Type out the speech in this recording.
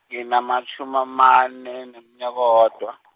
nginamatjhumi amane, neminyaka owodw-.